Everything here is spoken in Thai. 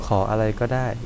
ขออะไรก็ได้